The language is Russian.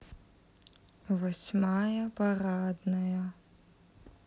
восьмая парадная